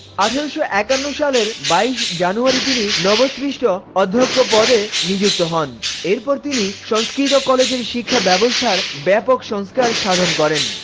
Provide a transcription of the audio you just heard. ১৮৫১ সালের ২২ জানুয়ারি তিনি নবসৃষ্ট অধ্যক্ষ পদে নিযুক্ত হন এরপর তিনি সংস্কৃত কলেজে শিক্ষা ব্যবস্থার ব্যাপক সংস্কার সাধন করেন